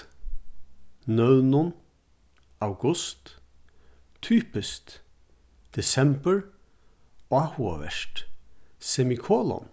nøvnum august typiskt desembur áhugavert semikolon